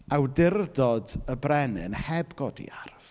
awdurdod y brenin, heb godi arf.